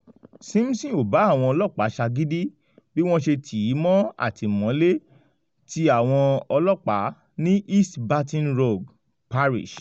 Simpson ‘ò bá àwọn ọlọ́pàá ṣagídí bí wọ́n ṣe tì í mọ́ àtìmọ́lẹ́ ti àwọn ọlọ́pàá ní East Baton Rouge Parish.